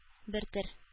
Бертөр